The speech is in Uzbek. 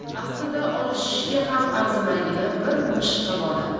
aslida olishishga ham arzimaydigan bir mishiqi bola